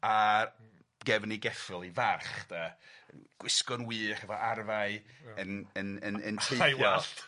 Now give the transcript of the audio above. A gefn ei geffyl ei farch de 'n gwisgo'n wych efo arfau yn yn yn yn teithio... A'i wallt!